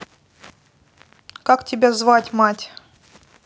как тебя звать мать